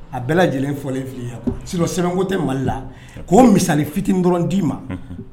A bɛɛ lajɛlen fɔlen filɛ , sɛbɛn ko tɛ Mali la k'o misali fitiini dɔrɔnw d'i ma